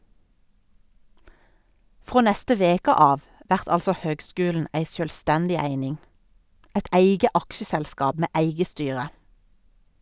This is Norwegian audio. Frå neste veke av vert altså høgskulen ei sjølvstendig eining, eit eige aksjeselskap med eige styre.